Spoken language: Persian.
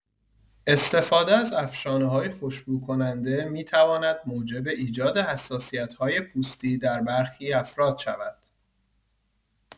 استفاده از افشانه‌های خوشبوکننده می‌تواند موجب ایجاد حساسیت‌های پوستی در برخی افراد شود.